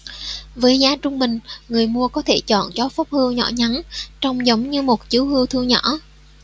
với giá trung bình người mua có thể chọn chó phốc hươu nhỏ nhắn trông giống như một chú hươu thu nhỏ